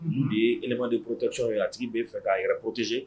Olu de ye ema de potecɔn ye a tigi b'a fɛ k'a yɛrɛ potese